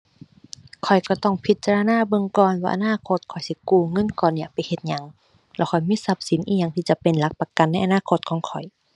ข้อยก็ต้องพิจารณาเบิ่งก่อนว่าอนาคตข้อยสิกู้เงินก้อนเนี้ยไปเฮ็ดหยัง แล้วข้อยมีทรัพย์สินอิหยังที่จะเป็นหลักประกันในอนาคตของข้อย